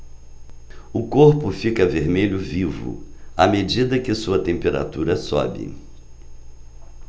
o corpo fica vermelho vivo à medida que sua temperatura sobe